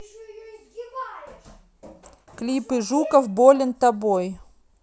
клипы жуков болен тобой